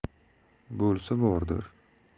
bo'lsa bordir